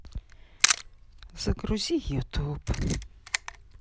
загрузи ютуб